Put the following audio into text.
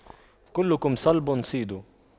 كلكم طلب صيد